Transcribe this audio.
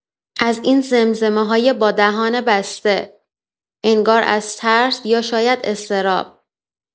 از این زمزمه‌های با دهان بسته، انگار از ترس یا شاید اضطراب.